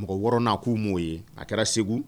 Mɔgɔɔrɔn n'a'u maaw'o ye a kɛra segu